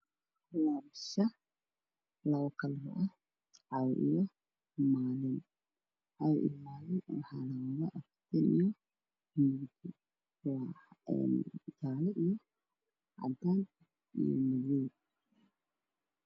Waa sawirka turjumayo bisha dayaxa oo jaalo caddaan madow ah dhiga waa jaalo